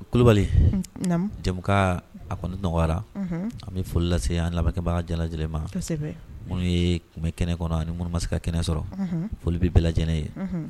Kulubali jamu a kɔni dɔgɔyara an bɛ foli lase an labɛnkɛbaga jala lajɛlen ma n ye kun bɛ kɛnɛ kɔnɔ ani ma se ka kɛnɛ sɔrɔ foli bɛ bɛ jɛnɛ ye